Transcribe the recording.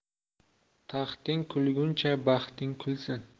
taxting kulguncha baxting kulsin